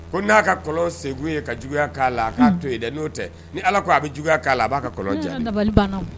Ko n'a a ka kolonlɔn segu ye ka juguya k'a la a' to dɛ n'o ni ala ko a bɛ juguya k'a la a b'a